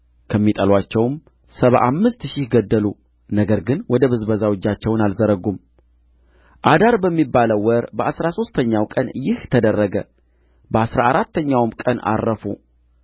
ከሚጠሉአቸውም ሰባ አምስት ሺህ ገደሉ ነገር ግን ወደ ብዝበዛው እጃቸውን አልዘረጉም አዳር በሚባለው ወር በአሥራ ሦስተኛው ቀን ይህ ተደረገ በአሥራ አራተኛውም ቀን ዐረፉ የ